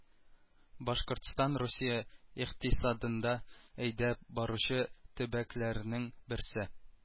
Башкортстан русия икътисадында әйдәп баручы төбәкләрнең берсе